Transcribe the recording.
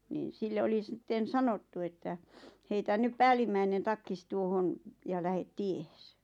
niin sille oli sitten sanottu että heitä nyt päällimmäinen takkisi tuohon ja lähde tiehesi